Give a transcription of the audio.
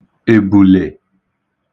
èbùlè